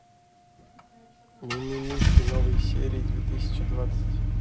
мимимишки новые серии две тысячи двадцать